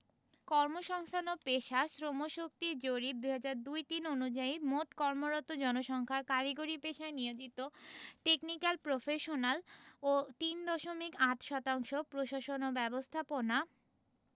কর্মসংস্থান ও পেশাঃ শ্রমশক্তি জরিপ ২০০২ ০৩ অনুযায়ী মোট কর্মরত জনসংখ্যার কারিগরি পেশায় নিয়োজিত টেকনিকাল প্রফেশনাল ও ৩ দশমিক ৮ শতাংশ প্রশাসন ও ব্যবস্থাপনা